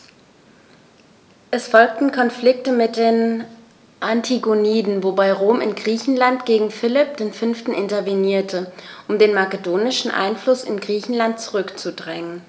Es folgten Konflikte mit den Antigoniden, wobei Rom in Griechenland gegen Philipp V. intervenierte, um den makedonischen Einfluss in Griechenland zurückzudrängen.